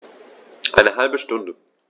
Eine halbe Stunde